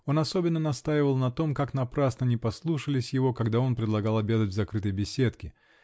Он особенно настаивал на том, как напрасно не послушались его, когда он предлагал обедать в закрытой беседке.